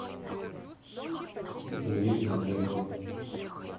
ядовитая рыба